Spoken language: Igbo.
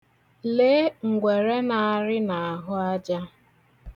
Lee ngwere na-arị n'ahụaja.